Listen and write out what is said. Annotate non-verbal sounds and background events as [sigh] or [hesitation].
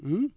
[hesitation]